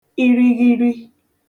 irighiri